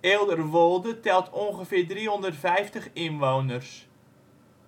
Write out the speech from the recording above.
Eelderwolde telt ongeveer 350 inwoners.